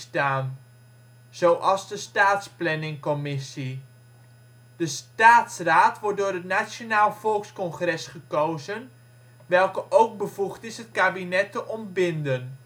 staan (zoals de Staatsplanningcommissie). De Staatsraad wordt door het Nationaal Volkscongres gekozen, welke ook bevoegd is het kabinet te ontbinden